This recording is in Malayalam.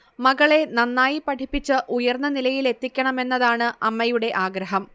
മകളെ നന്നായി പഠിപ്പിച്ച് ഉയർന്ന നിലയിലെത്തിക്കണമെന്നതാണ് അമ്മയുടെ ആഗ്രഹം